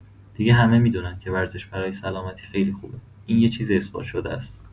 دیگه همه می‌دونن که ورزش برای سلامتی خیلی خوبه، این یه چیز اثبات‌شده ست.